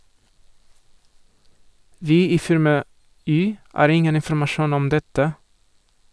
Vi i firma Y har ingen informasjon om dette.